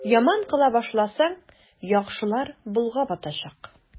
Яман кыла башласаң, яхшылар болгап атачак.